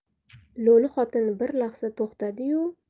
lo'li xotin bir lahza to'xtadi yu